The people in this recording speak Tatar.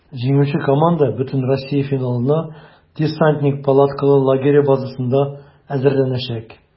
Җиңүче команда бөтенроссия финалына "Десантник" палаткалы лагере базасында әзерләнәчәк.